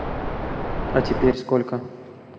а теперь сколько